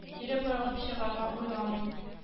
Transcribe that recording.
Кире борылып чыгарга уйламый